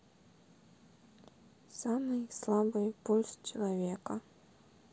самый слабый пульс человека